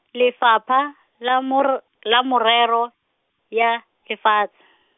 Lefapha, la moro, la Morero, ya, Lefatshe.